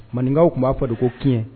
Maninkaw tun b'a fɔ de ko kiɲɛ